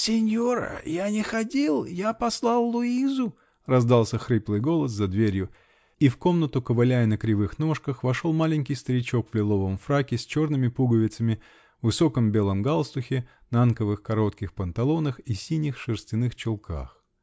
-- Синьора, я не ходил, я послал Луизу, -- раздался хриплый голос за дверью, -- и в комнату, ковыляя на кривых ножках, вошел маленький старичок в лиловом фраке с черными пуговицами, высоком белом галстуке, нанковых коротких панталонах и синих шерстяных чулках.